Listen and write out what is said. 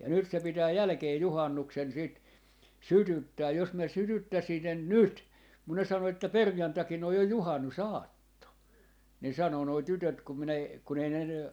ja nyt se pitää jälkeen juhannuksen sitten sytyttää jos minä sytyttäisin sen nyt kun ne sanoi että perjantaina on jo juhannusaatto niin sanoi nuo tytöt kun minä - kun ei ne ne